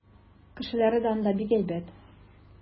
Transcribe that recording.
Кешеләре дә анда бик әйбәт.